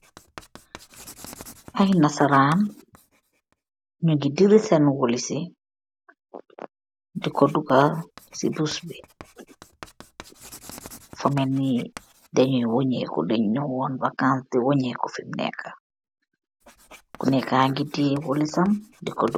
Ayii nasaran, nyungi dirri sen wolisyi. Diko dugal si bus bii, famelni denyi wonyiko, denj nyowon wakans di wonyiku fim neka nii, kuneka ngi teyeh wolisam diko...